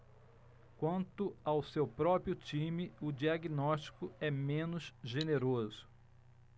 quanto ao seu próprio time o diagnóstico é menos generoso